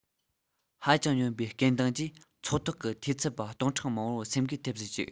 ཧ ཅང གཉོམ པའི སྐད གདངས ཀྱིས ཚོགས ཐོག གི འཐུས ཚབ པ སྟོང ཕྲག མང པོར སེམས འགུལ ཐེབས སུ བཅུག